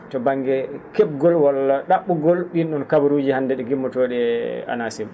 to ba?nge ke?gol walla ?a??u ngol ?in ?on kabaruuji hannde gimmotoo?i e ANACIM